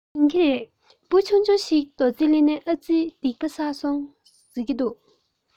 ཡིན གྱི རེད འབུ ཆུང ཆུང ཅིག རྡོག རྫིས ཤོར ནའི ཨ རྩི སྡིག པ བསགས སོང ཟེར གྱི འདུག